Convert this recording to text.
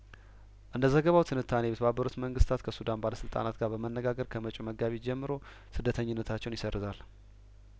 እንደ ዘገባው ትንታኔ የተባበሩት መንግስታት ከሱዳን ባለስልጣናት ጋር በመነጋገር ከመጪው መጋቢት ወር ጀምሮ ስደተኝነታቸውን ይሰርዛል